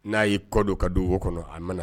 N'a y'i kɔdon ka du wo kɔnɔ a mana